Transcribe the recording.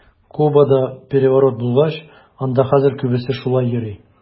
Кубада переворот булгач, анда хәзер күбесе шулай йөри.